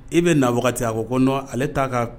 I bɛ na wagati a ko ko non ale t'a ka